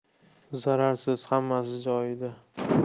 zararsiz hammasi joyida